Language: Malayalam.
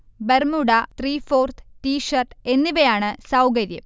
ബർമുഡ, ത്രീഫോർത്ത്, ടീ ഷർട്ട് എന്നിവയാണ് സൗകര്യം